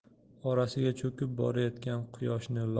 orasiga cho'kib borayotgan quyoshni